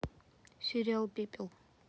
сериал пепел